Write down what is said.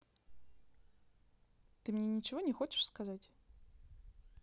ты мне ничего не хочешь сказать